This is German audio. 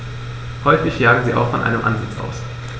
Häufig jagen sie auch von einem Ansitz aus.